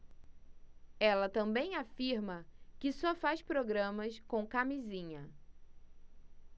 ela também afirma que só faz programas com camisinha